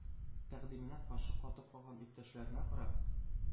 Тәкъдименә каршы катып калган иптәшләренә карап: